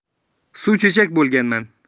suv chechak bo'lganman